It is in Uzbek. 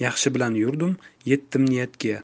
yaxshi bilan yurdim yetdim niyatga